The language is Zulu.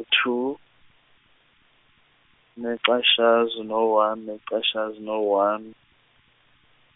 u- two, necashaza, no one, necashaza no one,